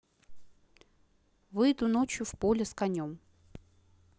выйду ночью в поле с конем